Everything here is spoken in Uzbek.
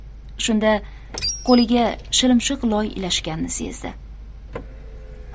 shunda qo'liga shilimshiq loy ilashganini sezdi